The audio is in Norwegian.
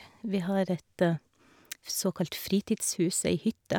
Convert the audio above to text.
Vi har et såkalt fritidshus, ei hytte.